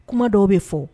Kuma dɔw bɛ fɔ